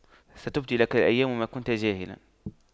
ستبدي لك الأيام ما كنت جاهلا